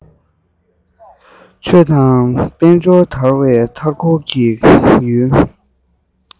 ཆོས དང དཔལ འབྱོར མ དར བའི མཐའ འཁོར གྱི ཡུལ